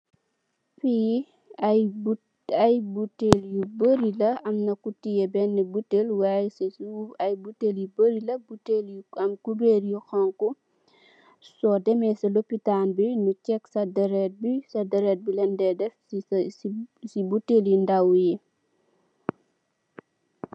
Fi ay buteel yu bari la, amna buteel benn buteel why ci suuf ay buteel yu bari la, buteel yu am ay cubèr yu honku. So demè ci lopitaal bi nu check sa dèrèt bi, sa dèrèt bi lan dè def ci buteel yu ndaw yi.